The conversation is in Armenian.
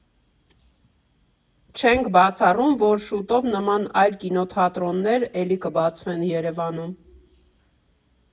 Չենք բացառում, որ շուտով նման այլ կինոթատրոններ էլի կբացվեն Երևանում։